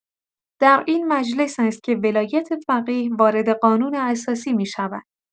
در این مجلس است که ولایت‌فقیه وارد قانون اساسی می‌شود.